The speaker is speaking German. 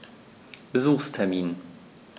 Besuchstermin